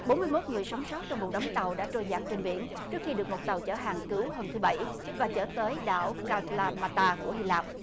bốn mươi mốt người sống sót trong vụ đắm tàu đã trôi dạt trên biển trước khi được một tàu chở hàng cứu hôm thứ bảy và chở tới đảo ca la ma ta của hy lạp